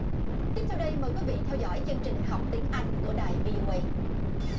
tiếp theo đây mời quý vị theo dõi chương trình học tiếng anh của đài vi ô ây